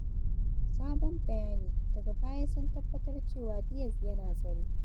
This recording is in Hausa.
[Sabon bayani: daga baya sun tabbatar cewa Diaz yana tsare]